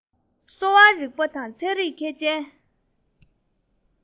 གསོ བ རིག པ དང ཚན རིག མཁས ཅན